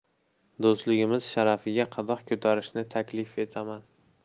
do'stligimiz sharafiga qadah ko'tarishni taklif etaman